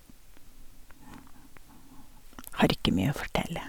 Har ikke mye å fortelle.